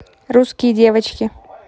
русские девочки